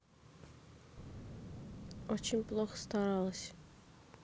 очень плохо старалась